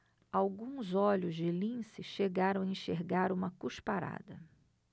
alguns olhos de lince chegaram a enxergar uma cusparada